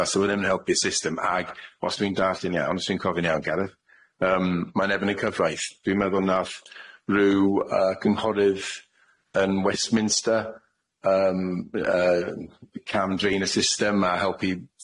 faso fe ddim yn helpu'r system ag os dwi'n darllen iawn os dwi'n cofio'n iawn Garedd yym mae'n efen y cyfraith dwi'n meddwl nath ryw yy cynghorydd yn Westminster yym yy cam drin y system a helpu